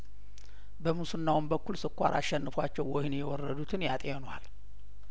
በሙስናውም በኩል ስኳር አሸንፏቸው ወህኒ የወረዱትን ያጤኗል